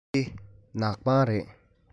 འདི ནག པང རེད